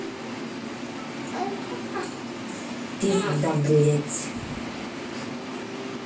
пизда блядь